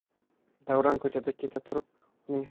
davron ko'chada keta turib uning